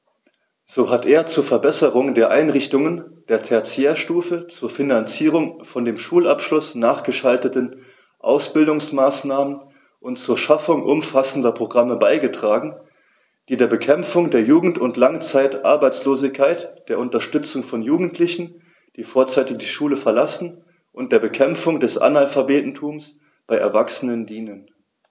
So hat er zur Verbesserung der Einrichtungen der Tertiärstufe, zur Finanzierung von dem Schulabschluß nachgeschalteten Ausbildungsmaßnahmen und zur Schaffung umfassender Programme beigetragen, die der Bekämpfung der Jugend- und Langzeitarbeitslosigkeit, der Unterstützung von Jugendlichen, die vorzeitig die Schule verlassen, und der Bekämpfung des Analphabetentums bei Erwachsenen dienen.